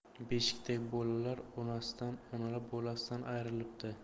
beshikdagi bolalar onasidan onalar bolasidan ayrilibdi